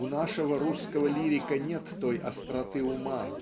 У нашего русского лирика нет той остроты ума